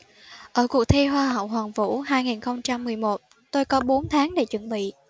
ở cuộc thi hoa hậu hoàn vũ hai nghìn không trăm mười một tôi có bốn tháng để chuẩn bị